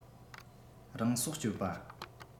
རང སྲོག གཅོད པ